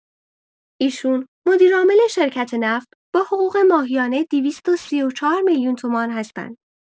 ایشون مدیرعامل شرکت نفت با حقوق ماهیانه ۲۳۴ میلیون تومان هستند!